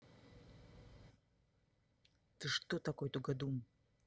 ты что такой тугодум